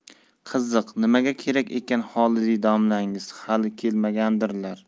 qiziq nimaga kerak ekan xolidiy domlangiz hali kelmagandirlar